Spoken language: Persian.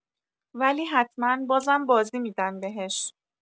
ولی حتما بازم بازی می‌دن بهش